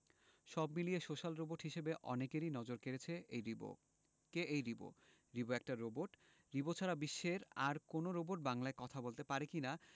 সব মিলিয়ে social robot হিসেবে অনেকেরই নজর কেড়েছে রিবো কে এই রিবো রিবো একটা রোবট রিবো ছাড়া বিশ্বের আর কোনো রোবট বাংলায় কথা বলতে পারে কি না